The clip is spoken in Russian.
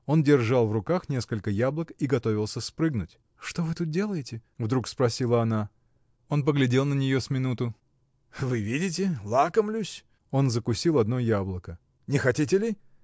Он держал в руках несколько яблок и готовился спрыгнуть. — Что вы тут делаете? — вдруг спросила она. Он поглядел на нее с минуту. — Вы видите, лакомлюсь. Он закусил одно яблоко. — Не хотите ли?